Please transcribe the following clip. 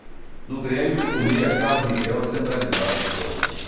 no grêmio o meia carlos miguel centralizava o jogo